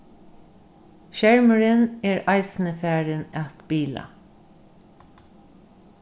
skermurin er eisini farin at bila